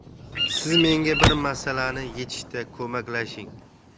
siz menga bir masalani yechishda ko'maklashing